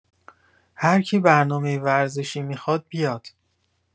هرکی برنامه ورزشی میخواد بیاد